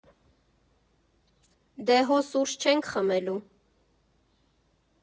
«Դե հո սուրճ չենք խմելու»։